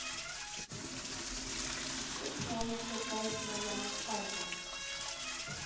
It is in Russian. песня о еще про это моя москальская